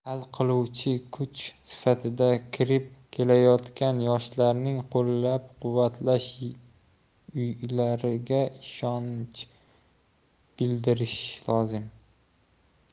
hal qiluvchi kuch sifatida kirib kelayotgan yoshlarni qo'llab quvvatlash ularga ishonch bildirish lozim